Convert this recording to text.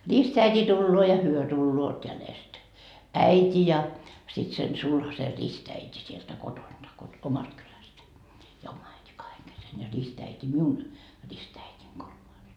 ristiäiti tulee ja he tulevat jäljestä äiti ja sitten sen sulhasen ristiäiti sieltä kotoa - omasta kylästä ja oma äiti kahden kesken ja ristiäiti minun ristiäitini kolmas